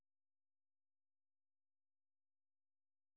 открой контакт